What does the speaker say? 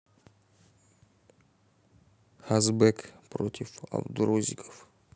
хасбек против абдурозиков